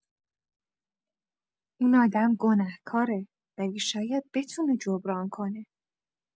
اون آدم گنه‌کاره، ولی شاید بتونه جبران کنه.